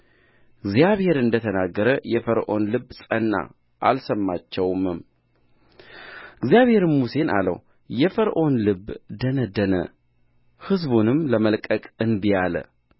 እግዚአብሔር እንደ ተናገረ የፈርዖን ልብ ጸና አልሰማቸውምም እግዚአብሔርም ሙሴን አለው የፈርዖን ልብ ደነደነ ሕዝቡንም ለመልቀቅ እንቢ አለ